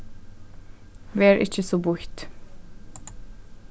ver ikki so býtt